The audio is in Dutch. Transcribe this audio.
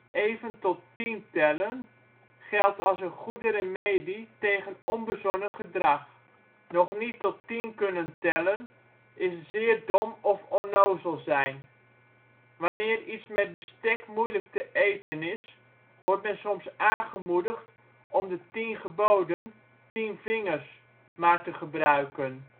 Even tot tien tellen geldt als een goede remedie tegen onbezonnen gedrag. Nog niet tot tien kunnen tellen - zeer dom of onnozel zijn. Wanneer iets met bestek moeilijk te eten is, wordt men soms aangemoedigd om de ' tien geboden ' (tien vingers) maar te gebruiken